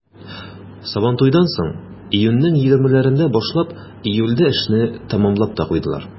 Сабантуйдан соң, июньнең 20-ләрендә башлап, июльдә эшне тәмамлап та куйдылар.